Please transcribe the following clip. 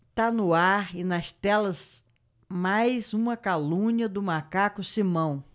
tá no ar e nas telas mais uma calúnia do macaco simão